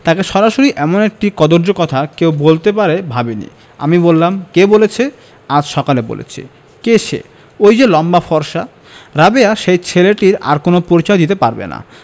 তাকে সরাসরি এমন একটি কদৰ্য কথা কেউ বলতে পারে ভাবিনি আমি বললাম কে বলেছে আজ সকালে বলেছে কে সে ঐ যে লম্বা ফর্সা রাবেয়া সেই ছেলেটির আর কোন পরিচয়ই দিতে পারবে না